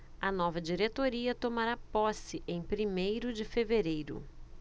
a nova diretoria tomará posse em primeiro de fevereiro